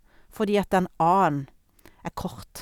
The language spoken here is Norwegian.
Fordi at den a-en er kort.